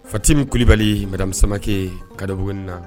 Fati min kuli kulubali maramisamakɛ kadaugun na